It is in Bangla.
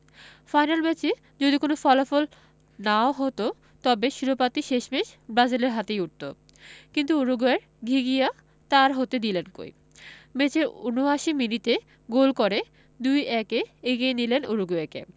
ফাইনাল ম্যাচে যদি কোনো ফলাফলও না হতো তবু শিরোপাটি শেষমেশ ব্রাজিলের হাতেই উঠত কিন্তু উরুগুয়ের ঘিঘিয়া তা আর হতে দিলেন কই ম্যাচের ৭৯ মিনিটে গোল করে ২ ১ এ এগিয়ে নিলেন উরুগুয়েকে